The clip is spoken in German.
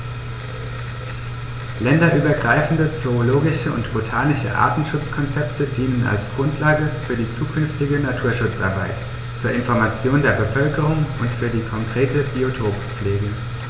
Länderübergreifende zoologische und botanische Artenschutzkonzepte dienen als Grundlage für die zukünftige Naturschutzarbeit, zur Information der Bevölkerung und für die konkrete Biotoppflege.